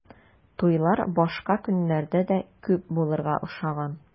Туйлар башка көннәрдә дә күп булырга охшаган.